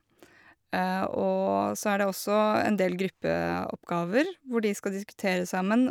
Og så er det også en del gruppeoppgaver hvor de skal diskutere sammen.